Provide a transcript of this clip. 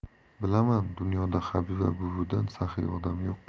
bilaman dunyoda habiba buvidan saxiy odam yo'q